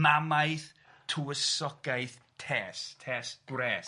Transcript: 'Mamaeth tywysogaeth tes,' tes, gwres.